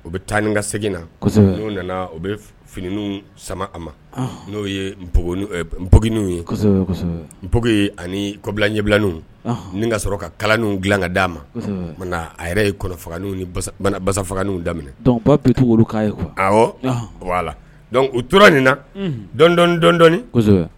U bɛ taa ni ka segin na n'o nana u bɛ fini sama a ma n'o ye bokw yesɔ bo ani kɔbila ɲɛbilaw ni ka sɔrɔ ka kalan dila ka d dia ma nka a yɛrɛ yesa fagaw daminɛpi a la u tora nin na dɔndɔ dɔndɔi